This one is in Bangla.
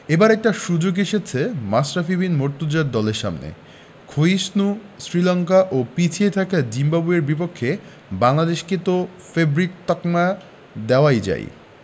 এবার একটা সুযোগ এসেছে মাশরাফি বিন মুর্তজার দলের সামনে ক্ষয়িষ্ণু শ্রীলঙ্কা ও পিছিয়ে থাকা জিম্বাবুয়ের বিপক্ষে বাংলাদেশকে তো ফেবারিট তকমা দেওয়াই যায়